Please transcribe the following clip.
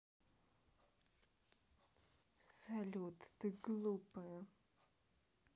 салют ты глупая